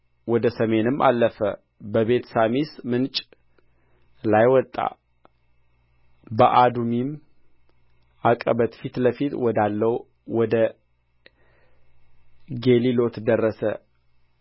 ወደ ሰሜንም አለፈ በቤትሳሚስ ምንጭ ላይ ወጣ በአዱሚም ዐቀበት ፊት ለፊት ወዳለው ወደ ጌሊሎት ደረሰ